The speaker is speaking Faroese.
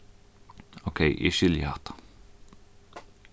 ókey eg skilji hatta